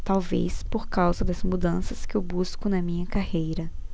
talvez por causa das mudanças que eu busco na minha carreira